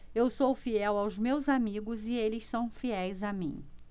eu sou fiel aos meus amigos e eles são fiéis a mim